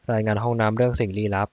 รายงานห้องน้ำเรื่องสิ่งลี้ลับ